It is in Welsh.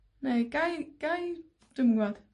Neu gai, gai, dw'n yn gwbod.